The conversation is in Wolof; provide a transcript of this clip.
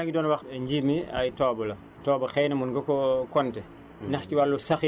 tool yi alhamdulilah yaa ngi doon wax nji mi ay toobo la toobo xëy na mun nga koo compter